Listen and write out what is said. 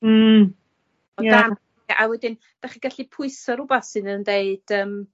Hmm. Ie. A wedyn dach chi gallu pwyso rwbath sydd yn deud yym